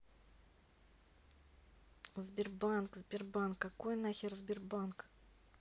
сбербанк sberbank какой нахер сбербанк